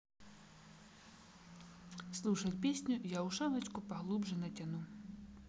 слушать песню я ушаночку поглубже натяну